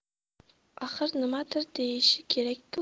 axir nimadir deyishi kerak ku